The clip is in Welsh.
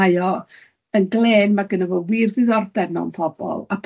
mae o yn glên, mae gynno fo wir ddiddordeb mewn pobol, a